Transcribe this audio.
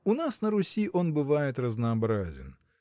У нас, на Руси, он бывает разнообразен.